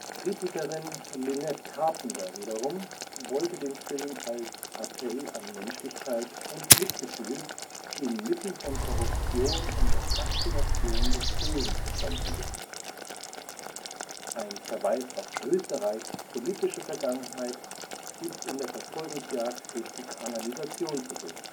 Kritikerin Lynette Carpenter wiederum wollte den Film als Appell an Menschlichkeit und Mitgefühl inmitten von Korruption und der Faszination des Bösen verstanden wissen. Ein Verweis auf Österreichs politische Vergangenheit ist in der Verfolgungsjagd durch die Kanalisation zu sehen